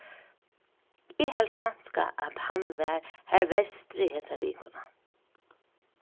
eg helt kanska at hann var har vesturi hesa vikuna